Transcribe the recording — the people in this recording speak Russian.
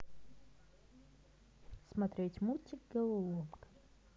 смотреть мультик головоломка